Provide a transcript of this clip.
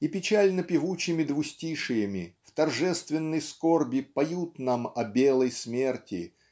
и печально-певучими двустишиями в торжественной скорби поют нам о белой Смерти